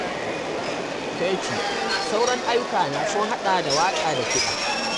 Keyti: Sauran ayyuka na sun haɗa waƙa da kiɗa.